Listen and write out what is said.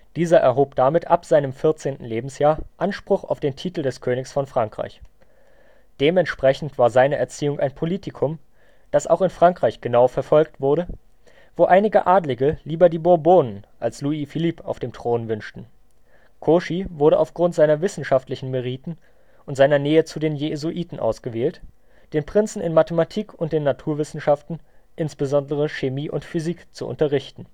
Dieser erhob damit ab seinem 14. Lebensjahr Anspruch auf den Titel des Königs von Frankreich. Dementsprechend war seine Erziehung ein Politikum, das auch in Frankreich genau verfolgt wurde, wo einige Adlige lieber die Bourbonen als Louis-Philippe auf dem Thron wünschten. Cauchy wurde aufgrund seiner wissenschaftlichen Meriten und seiner Nähe zu den Jesuiten ausgewählt, den Prinzen in Mathematik und den Naturwissenschaften, insbesondere Chemie und Physik, zu unterrichten